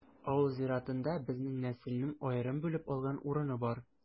Авыл зиратында безнең нәселнең аерым бүлеп алган урыны бар.